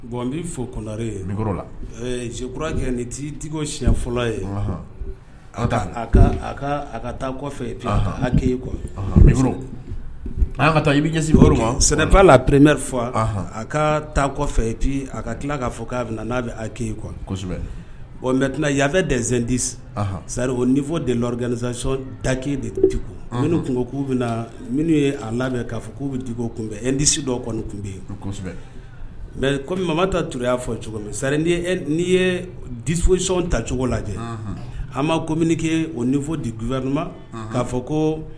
Bon n b' fɔ kore kura kɛ nikoɲɛfɔ ye a a ka taa kee taa i bɛ sɛnɛ'a lapreme fɔ a ka taa kɔfɛ a ka tila k'a fɔ k'a n'a bɛ a kee qu mɛ tɛna dezdisi sari o fɔ de dzcɔn daki de minnu kun k'u bɛ minnu ye a labɛn k' k'u bɛ diko kunbɛn ndisi dɔ kɔni tun bɛ yen mɛ kɔmi mama ma ta tur' fɔ cogori n'i ye dicɔn ta cogo lajɛ ha ma kominike o nin fɔ diwainuma k' fɔ ko